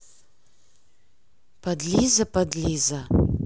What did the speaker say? подлиза подлиза